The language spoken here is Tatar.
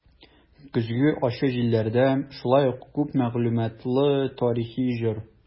"көзге ачы җилләрдә" шулай ук күп мәгълүматлы тарихи җыр.